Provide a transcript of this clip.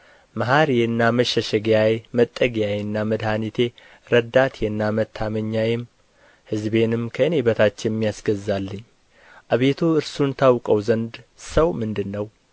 መሓሪዬና መሸሸጊያዬ መጠጊያዬና መድኃኒቴ ረዳቴና መታመኛዬም ሕዝቤንም ከእኔ በታች የሚያስገዛልኝ አቤቱ እርሱን ታውቀው ዘንድ ሰው ምንድር ነው